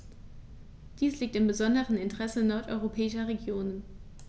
Dies liegt im besonderen Interesse nordeuropäischer Regionen.